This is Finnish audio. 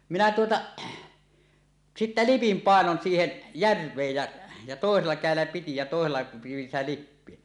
minä tuota sitten lipin painon siihen järveen ja ja toisella kädellä piti ja toisella pidin sitä lippiä